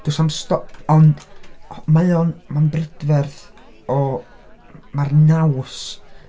A does na'm sto- ond o- mae o'n brydferth o... mae'r naws...